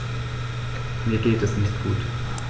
Mir geht es nicht gut.